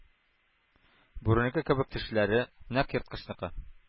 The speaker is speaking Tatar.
Бүренеке кебек тешләре, нәкъ ерткычныкы